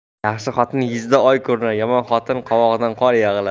yaxshi xotin yuzida oy ko'rinar yomon xotin qovog'idan qor yog'ilar